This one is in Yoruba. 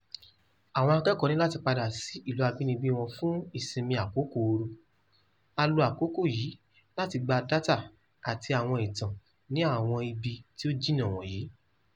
Àwọn akẹ́kọ̀ọ́ ní láti padà sí ìlú abínibí wọn fún ìsinmi àkókò ooru: a lo àkókò yìí láti gba dátà àti àwọn ìtàn ní àwọn ibi tí ó jìnà wọ̀nyí.